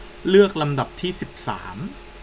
เลือกลำดับที่สิบสาม